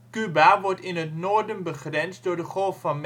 Cuba wordt in het noorden begrensd door de Golf van